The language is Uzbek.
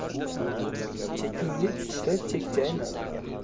chekingga tushsa chekchayma